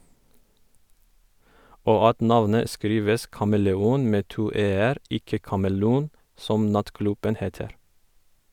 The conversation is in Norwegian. Og at navnet skrives kameleon - med to e-er - ikke "Kamelon", som nattklubben heter.